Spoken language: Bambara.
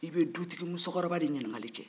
i bɛ dutigi musokɔrɔba de ɲininkali kɛ